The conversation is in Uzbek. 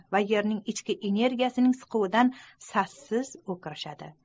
va yerning ichki energiyasining siquvidan sassiz okirishadi